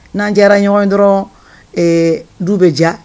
N'an diyara ɲɔgɔn dɔrɔn du bɛ ja